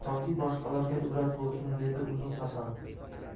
toki boshqalarga ibrat bo'lsin dedi uzun hasan